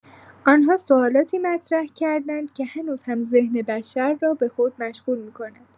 آن‌ها سوالاتی مطرح کرده‌اند که هنوز هم ذهن بشر را به خود مشغول می‌کند.